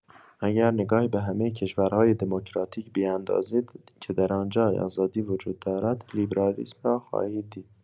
اگر نگاهی به همه کشورهای دموکراتیک بیندازید که در آنجا آزادی وجود دارد، لیبرالیسم را خواهید دید.